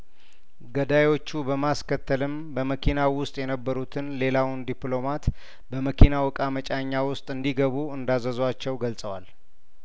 ገዳዮቹ በማስከተልም በመኪናው ውስጥ የነበሩትን ሌላውን ዲፕሎማት በመኪናው እቃ መጫኛ ውስጥ እንዲገቡ እንዳዘዟቸው ገልጸዋል